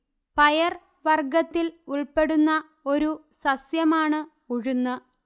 പയർ വർഗ്ഗത്തിൽ ഉൾപ്പെടുന്ന ഒരു സസ്യമാണ് ഉഴുന്ന്